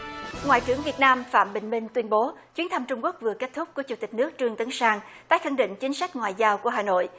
ngoại trưởng việt nam phạm bình minh tuyên bố chuyến thăm trung quốc vừa kết thúc của chủ tịch nước trương tấn sang tái khẳng định chính sách ngoại giao của hà nội